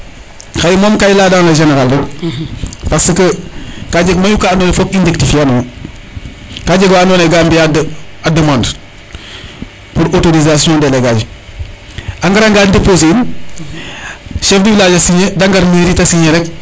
xaye moom ka i leya dans le general rek parce que ka jeg amyu ka ando naye fok i rectifier ando yo ka jeg wa ando naye ga mbiya a demande pour autorisation délégage a ngara nga deposer in chef du village a signer de ngar mairie te signer rek